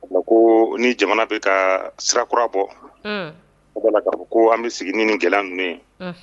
A ko ni jamana bɛ ka sira kura bɔ bala ko an bɛ sigi ni ni gɛlɛya ninnu ye